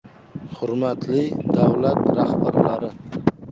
hurmatli davlat rahbarlari